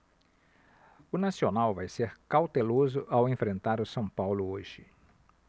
o nacional vai ser cauteloso ao enfrentar o são paulo hoje